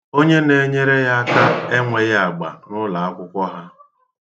Onye na-enyere ya aka enweghị agba n'ụlọakwụkwọ ha.